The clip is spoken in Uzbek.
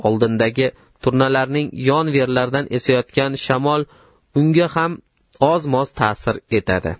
oldindagi turnalarning yon veridan esayotgan shamol unga ham oz moz ta'sir etadi